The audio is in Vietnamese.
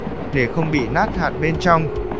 để không bị nát hạt bên trong